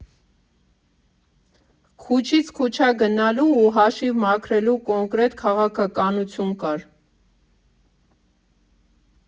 Քուչից քուչա գնալու ու հաշիվ մաքրելու կոնկրետ քաղաքականություն կար։